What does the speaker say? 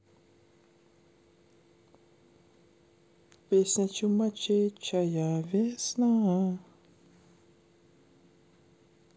песня чумачечая весна